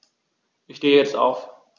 Ich stehe jetzt auf.